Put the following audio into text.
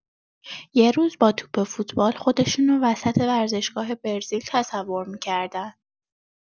یه روز با توپ فوتبال، خودشونو وسط ورزشگاه برزیل تصور می‌کردن.